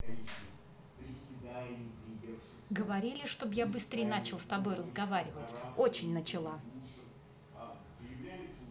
говорили чтоб я быстрее начал с тобой разговаривать очень начала